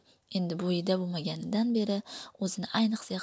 endi bo'yida bo'lganidan beri o'zini ayniqsa